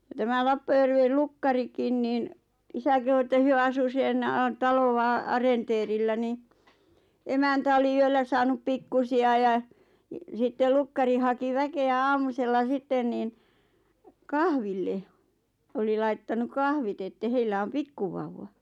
ja tämä Lappajärven lukkarikin niin isä kehui että he asui sen taloa arenteerillä niin emäntä oli yöllä saanut pikkuisia ja sitten lukkari haki väkeä aamusella sitten niin kahville oli laittanut kahvit että heillä on pikkuvauva